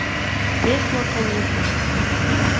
песня каникулы